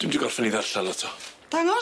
Dwi'm di gorffen i ddarllan o eto. Dangos?